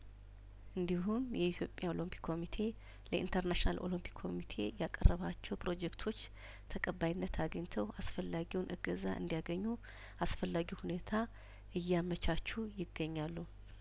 እንዲሁም የኢትዮጵያ ኦሎምፒክ ኮሚቴ ለኢንተርናሽናል ኦሎምፒክ ኮሚቴ ያቀረባቸው ፕሮጀክቶች ተቀባይነት አግኝተው አስፈላጊውን እገዛ እንዲያገኙ አስፈላጊውን ሁኔታ እያመቻቹ ይገኛሉ